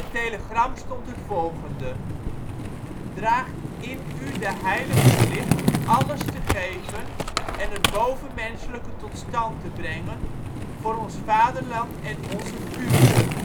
telegram stond het volgende: " Draagt in u de heilige plicht alles te geven en het bovenmenselijke tot stand te brengen voor ons vaderland en onze Führer